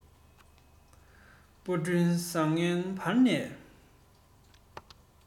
པར འཕྲིན བཟང ངན དབར ནས